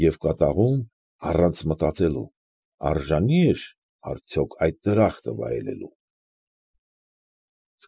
ԵՒ կատաղում, առանց մտածելու ֊ արժանի՞ էր, արդյոք, այդ դրախտը վայելելու։